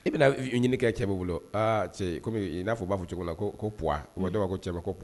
I bɛna ɲini kɛ cɛ bɛɛ bolo a cɛ kɔmi i n'a fɔ u b'a fɔ cogo min na ko puwa o ma dɔw b'a fɔ cɛ ma ko